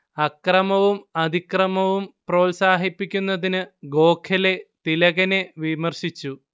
അക്രമവും അതിക്രമവും പ്രോത്സാഹിപ്പിക്കുന്നതിനു ഗോഖലെ തിലകിനെ വിമർശിച്ചു